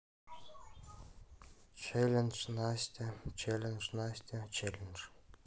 челлендж настя челлендж настя челлендж